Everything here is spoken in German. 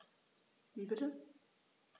Wie bitte?